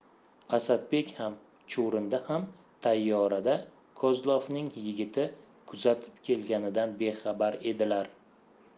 asadbek ham chuvrindi ham tayyorada kozlovning yigiti kuzatib kelganidan bexabar edilar